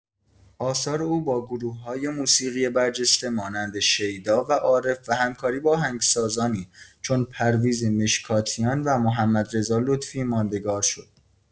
آثار او با گروه‌های موسیقی برجسته مانند شیدا و عارف و همکاری با آهنگسازانی چون پرویز مشکاتیان و محمدرضا لطفی ماندگار شد.